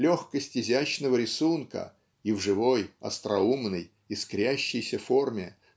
легкость изящного рисунка и в живой остроумной искрящейся форме